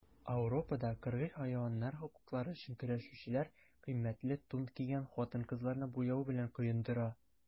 Ауропада кыргый хайваннар хокуклары өчен көрәшүчеләр кыйммәтле тун кигән хатын-кызларны буяу белән коендыра.